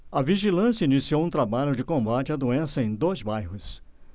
a vigilância iniciou um trabalho de combate à doença em dois bairros